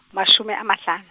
mashome a mahlano.